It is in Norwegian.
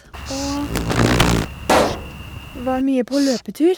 Og var mye på løpetur.